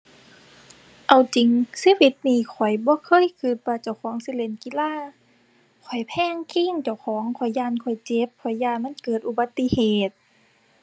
เอาจริง ชีวิตนี้ข้อยบ่เคยคิดว่าเจ้าของสิเล่นกีฬา ข้อยแพงคิงเจ้าของ ข้อยย้านข้อยเจ็บ ข้อยย้านมันเกิดอุบัติเหตุ